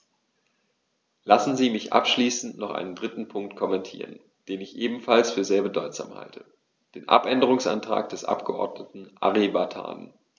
Lassen Sie mich abschließend noch einen dritten Punkt kommentieren, den ich ebenfalls für sehr bedeutsam halte: den Abänderungsantrag des Abgeordneten Ari Vatanen.